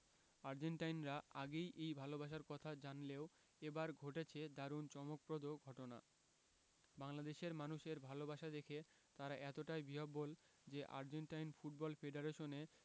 আর্জেন্টাইনরা আগেই এই ভালোবাসার কথা জানলেও এবার ঘটেছে দারুণ চমকপ্রদ ঘটনা বাংলাদেশের মানুষের ভালোবাসা দেখে তারা এতটাই বিহ্বল যে আর্জেন্টাইন ফুটবল ফেডারেশনে